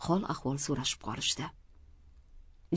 hol ahvol so'rashib qolishdi